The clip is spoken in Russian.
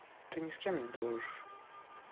ты ни с кем не дружишь